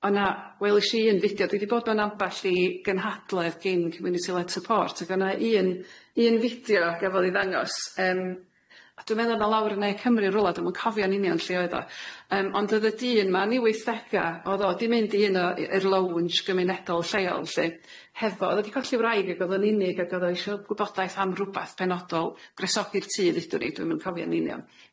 O' 'na welish i un fideo dwi di bod mewn amball i gynhadledd gin Community Lead Support ag o' 'na un un fideo gafodd 'i ddangos yym a dwi'n meddwl na lawr yn Ne Cymru rwla dwi'm yn cofio'n union lle oedd o yym ond o'dd y dyn 'ma yn 'i weithdega o'dd o di mynd i un o i- i'r lownj gymunedol lleol lly hefo, o'dd o di colli' wraig ag o'dd o'n unig ag o'dd o isho gwybodaeth am rwbath penodol gresogi'r tŷ ddeudwn i dwi'm yn cofio'n union,